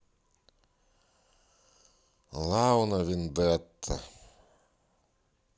лауна вендетта